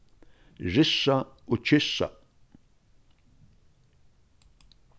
ryssa og kyssa